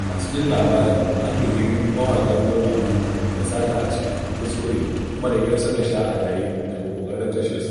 A cikin labarin, an tuhumi mawaƙan Roma biyu da sata a cikin kuskure kuma da ƙyar suka sha a raye daga ƙoƙarin kashe su.